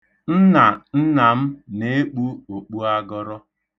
Nna nna m na-ekpu okpuagọrọ.